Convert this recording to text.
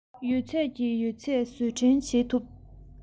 ཡོད ཚད ཀྱི ཡོད ཚད བཟོད བསྲན བྱེད ཐུབ